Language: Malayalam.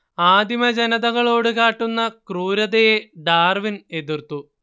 ആദിമജനതകളോടു കാട്ടുന്ന ക്രൂരതയെ ഡാർവിൻ എതിർത്തു